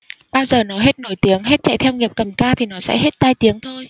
bao giờ nó hết nổi tiếng hết chạy theo nghiệp cầm ca thì nó sẽ hết tai tiếng thôi